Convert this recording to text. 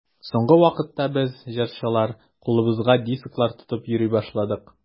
Соңгы вакытта без, җырчылар, кулыбызга дисклар тотып йөри башладык.